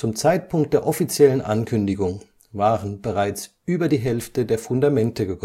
Zeitpunkt der offiziellen Ankündigung waren bereits über die Hälfte der Fundamente